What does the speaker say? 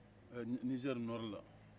nizɛri nɔri la